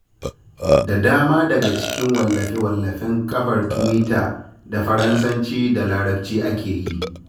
Da dama daga cikin wallafe-wallafen kafar tiwita da Faransanci da Larabci ake yi.